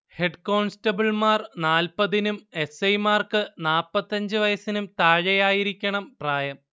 ഹെഡ്കോൺസ്റ്റബിൾമാർ നാല്പതിനും S. I. മാർക്ക് നാല്പത്തഞ്ച് വയസ്സിനും താഴെയായിരിക്കണം പ്രായം